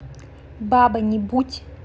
баба не будь